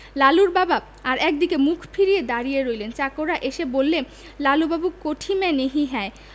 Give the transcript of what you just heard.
লালুর বাবা আর একদিকে মুখ ফিরিয়ে দাঁড়িয়ে রইলেন চাকররা এসে বললে লালুবাবু কোঠি মে নেহি হ্যায়